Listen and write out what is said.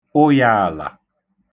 ụyāàlà